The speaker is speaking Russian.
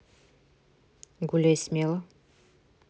гуляй смело